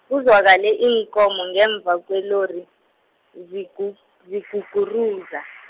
kuzwakale iinkomo ngemva kwelori, zigu- ziguguruza.